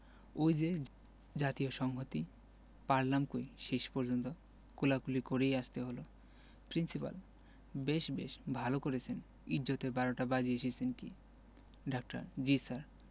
ওই যে জাতীয় সংহতি পারলাম কই শেষ পর্যন্ত কোলাকুলি করেই আসতে হলো প্রিন্সিপাল বেশ বেশ ভালো করেছেন ইজ্জতের বারোটা বাজিয়ে এসেছেন কি ডাক্তার জ্বী স্যার